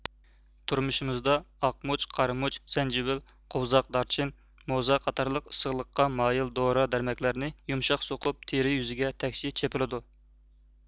تۇرمۇشىمىزدا ئاقمۇچ قارىمۇچ زەنجىۋىل قوۋزاق دارچىن موزا قاتارلىق ئىسسىقلىققا مايىل دورا دەرمەكلەرنى يۇمشاق سوقۇپ تېرە يۈزىگە تەكشى چېپىلىدۇ